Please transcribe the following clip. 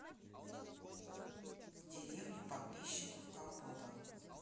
деревня подписчиков компота